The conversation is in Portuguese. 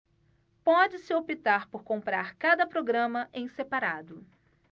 pode-se optar por comprar cada programa em separado